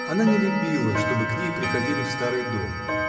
Она не любила, чтобы к ней приходили в старый дом.